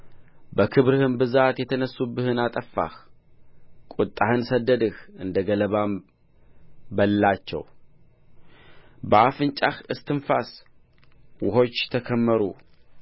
በክብርህም ብዛት የተነሡብህን አጠፋህ ቍጣህን ሰድደህ እንደ ገለባም በላቸው በአፍንጫህ እስትንፋስ ውኆች ተከመሩ